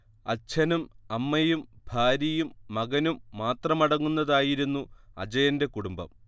അച്ഛനും അമ്മയും ഭാര്യയും മകനും മാത്രമടങ്ങുന്നതായിരുന്നു അജയന്റെ കുടുംബം